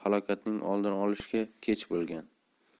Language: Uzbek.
halokatning oldini olishga kech bo'lgan